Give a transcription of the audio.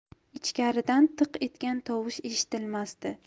ichkaridan tiq etgan tovush eshitilmasdi